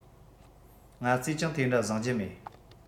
ང ཚོས ཀྱང དེ འདྲ བཟང རྒྱུ མེད